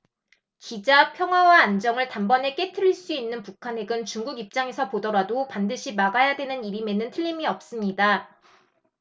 기자 평화와 안정을 단번에 깨뜨릴 수 있는 북한 핵은 중국 입장에서 보더라도 반드시 막아야 되는 일임에는 틀림이 없습니다